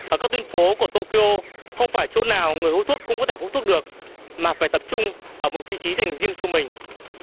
ở các tuyến phố của tô ki ô không phải chỗ nào người hút thuốc cũng có thể hút thuốc được mà phải tập trung ở một vị trí dành riêng cho mình